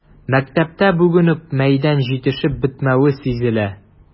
Мәктәптә бүген үк мәйдан җитешеп бетмәве сизелә.